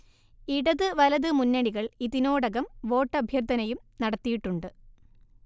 ഇടത് വലത് മുന്നണികൾ ഇതിനോടകം വോട്ടഭ്യർത്ഥനയും നടത്തിയിട്ടുണ്ട്